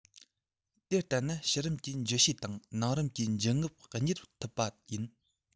དེ ལྟ ན ཕྱི རིམ གྱིས འཇུ བྱེད དང ནང རིམ གྱིས འབྱིན རྔུབ གཉེར ཐུབ པ ཡིན